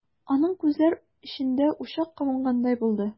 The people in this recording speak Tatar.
Аның күзләр эчендә учак кабынгандай булды.